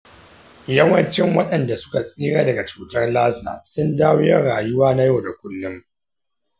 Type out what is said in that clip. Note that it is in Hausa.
yawancin waɗanda suka tsira daga cutar lassa sundawo yin rayuwa na yau da kullum.